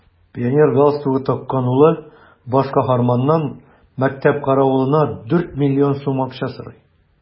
Пионер галстугы таккан улы баш каһарманнан мәктәп каравылына дүрт миллион сум акча сорый.